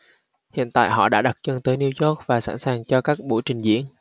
hiện tại họ đã đặt chân tới new york và sẵn sàng cho các buổi trình diễn